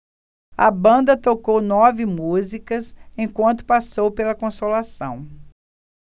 a banda tocou nove músicas enquanto passou pela consolação